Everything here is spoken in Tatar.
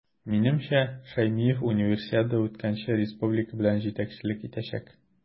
Минемчә, Шәймиев Универсиада үткәнче республика белән җитәкчелек итәчәк.